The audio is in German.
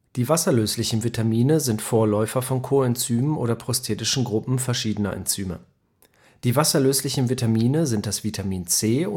Die wasserlöslichen Vitamine sind Vorläufer von Coenzymen oder prosthetischen Gruppen verschiedener Enzyme. Die wasserlöslichen Vitamine sind: Vitamin C